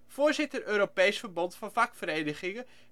voorzitter Europees verbond van vakverenigingen